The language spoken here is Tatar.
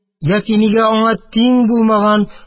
Яки нигә аңа тиң булмаган